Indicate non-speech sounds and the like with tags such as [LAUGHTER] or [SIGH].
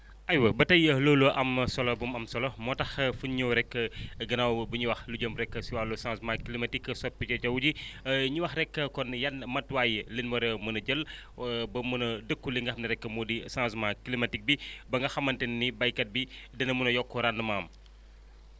aywa ba tey loolu am solo bu mu am solo moo tax fu ñu ñëw rek [BREATH] gannaaw bu ñu wax lu jëm rek si wàllu changement climatique soppite jaww ji [BREATH] [HESITATION] ñu wax rek kon yan matuwaay lañ war a mën a jël [BREATH] [HESITATION] ba mën a dékku li nga xam ni rek moo di changement climatique bi [BREATH] ba nga xamante ni nii béykat bi [BREATH] dina mun a yokk rendement am